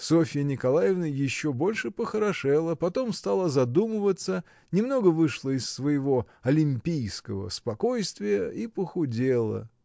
Софья Николаевна еще больше похорошела, потом стала задумываться, немного вышла из своего “олимпийского” спокойствия и похудела.